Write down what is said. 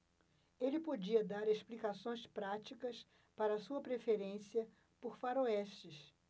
ele podia dar explicações práticas para sua preferência por faroestes